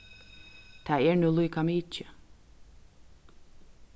tað er nú líkamikið